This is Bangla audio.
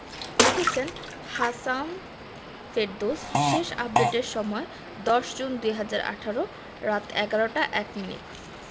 লিখেছেন হাসাম ফেরদৌস শেষ আপডেটের সময় ১০ জুন ২০১৮ রাত ১১টা ১ মিনিট